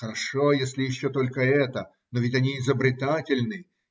Хорошо, если еще только это; но ведь они изобретательны.